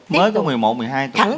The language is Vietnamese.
mới có mười một mười hai